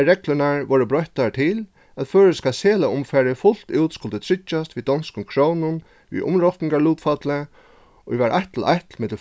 har reglurnar vórðu broyttar til at føroyska seðlaumfarið fult út skuldi tryggjast við donskum krónum við umrokningarlutfalli ið var eitt til eitt millum